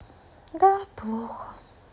да плохо